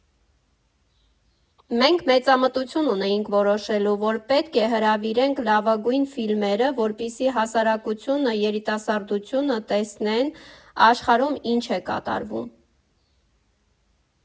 Մենք մեծամտություն ունեինք որոշելու, որ պետք է հրավիրենք լավագույն ֆիլմերը, որպեսզի հասարակությունը, երիտասարդությունը տեսնեն՝ աշխարհում ինչ է կատարվում։